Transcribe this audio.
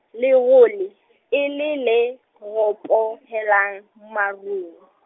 lerole , e le le, ropohelang, marung.